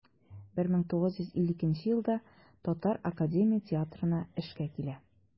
1952 елда татар академия театрына эшкә килә.